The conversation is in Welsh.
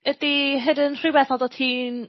ydi hyn yn rhywbeth oddot ti'n